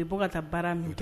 I bɛ ka taa baara min kɛ